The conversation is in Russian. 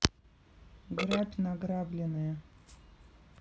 грабь награбленное